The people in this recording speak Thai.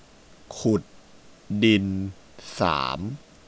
ขุดดินสาม